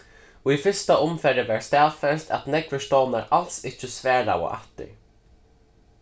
í fyrsta umfari var staðfest at nógvir stovnar als ikki svaraðu aftur